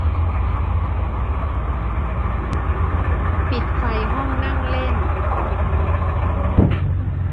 ปิดไฟห้องนั่งเล่น